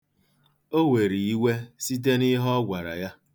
O were iwe site n'ihe ọ gwara ya.